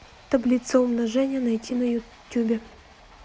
таблица умножения найти на ютюбе